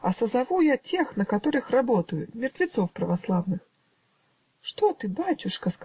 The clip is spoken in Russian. А созову я тех, на которых работаю: мертвецов православных". -- "Что ты, батюшка?